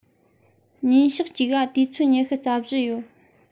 ཉིན ཞག གཅིག ག དུས ཚོད ཉི ཤུ རྩ བཞི ཡོད